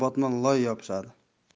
botmon loy yopishadi